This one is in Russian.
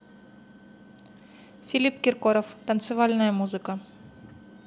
филипп киркоров танцевальная музыка